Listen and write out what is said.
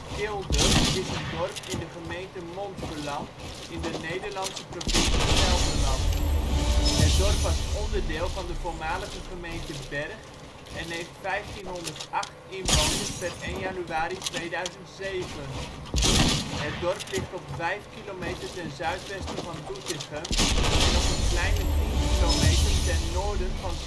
Kilder is een dorp in de gemeente Montferland, in de Nederlandse provincie Gelderland. Het dorp was onderdeel van de voormalige gemeente Bergh en heeft 1508 inwoners (01-01-2007). Het dorp ligt op vijf kilometer ten zuidwesten van Doetinchem en op een kleine tien kilometer ten noorden van